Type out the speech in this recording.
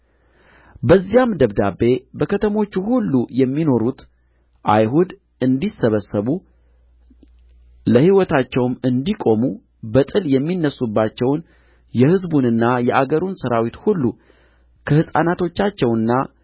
በዚያም ደብዳቤ በከተሞቹ ሁሉ የሚኖሩት አይሁድ እንዲሰበሰቡ ለሕይወታቸውም እንዲቆሙ በጥል የሚነሡባቸውን የሕዝቡንና የአገሩን ሠራዊት ሁሉ ከሕፃናቶቻቸውና